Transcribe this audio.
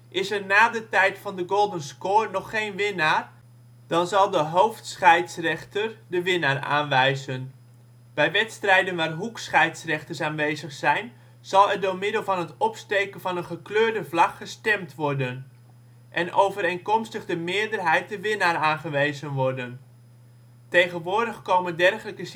Is er na de tijd van de golden score nog geen winnaar, zal de hoofscheidsrechter de winnaar aanwijzen. Bij wedstrijden waar hoekscheidsrechters aanwezig zijn zal er door middel van het opsteken van een gekleurde vlag gestemd worden. En overeenkomstig de meerderheid de winnaar aangewezen worden. Tegenwoordig komen dergelijke